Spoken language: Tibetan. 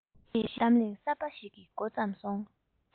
ཅེས གཏམ གླེང གསར པ ཞིག གི མགོ བརྩམས སོང